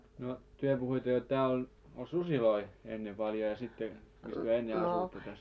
no te puhuitte jotta täällä on oli susia ennen paljon ja sitten missä te ennen asuitte tässä